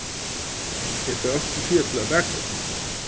eg fái onkuntíð tíð til at baka